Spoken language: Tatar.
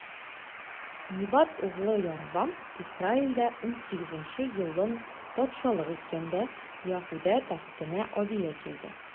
Небат углы Яробам Исраилдә унсигезенче елын патшалык иткәндә, Яһүдә тәхетенә Абия килде.